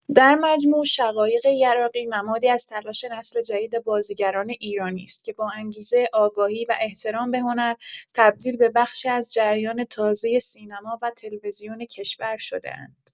در مجموع، شقایق یراقی نمادی از تلاش نسل جدید بازیگران ایرانی است که باانگیزه، آگاهی و احترام به هنر، تبدیل به بخشی از جریان تازه سینما و تلویزیون کشور شده‌اند.